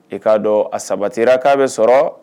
I k'a dɔn a sabatira k'a bɛ sɔrɔ